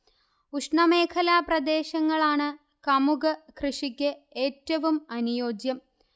ഉഷ്ണമേഖലാപ്രദേശങ്ങളാണ് കമുക് കൃഷിക്ക് ഏറ്റവും അനുയോജ്യം